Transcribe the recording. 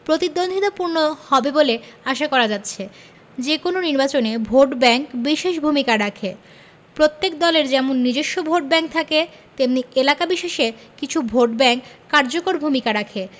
প্রতিদ্বন্দ্বিতাপূর্ণ হবে বলে আশা করা হচ্ছে যেকোনো নির্বাচনে ভোটব্যাংক বিশেষ ভূমিকা রাখে প্রত্যেক দলের যেমন নিজস্ব ভোটব্যাংক থাকে তেমনি এলাকা বিশেষে কিছু ভোটব্যাংক কার্যকর ভূমিকা রাখে